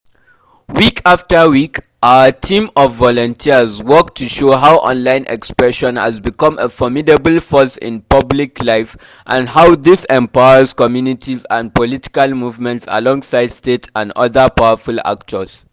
Week after week, our team of volunteers work to show how online expression has become a formidable force in public life and how this empowers communities and political movements alongside state and other powerful actors.